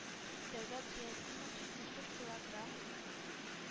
Дәүләт Зыятдинов җитмеш дүрт киллограмм